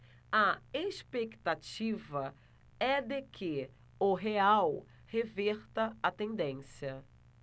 a expectativa é de que o real reverta a tendência